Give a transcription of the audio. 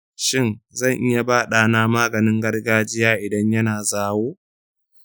shin zan iya ba ɗana maganin gargajiya idan ya na zawo?